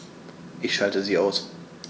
Ich schalte sie aus.